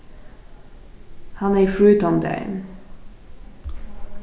hann hevði frí tann dagin